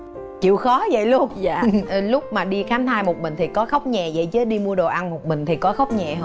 chịu khó dậy luôn dạ lúc mà đi khám thai một mình thì có khóc nhè dậy chứ đi mua đồ ăn một mình thì có khóc nhè hông